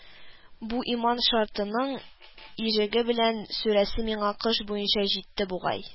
Бу "Иман шарт"ының иҗеге белән сүрәсе миңа кыш буена җитте бугай